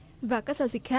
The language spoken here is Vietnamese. và các giao dịch khác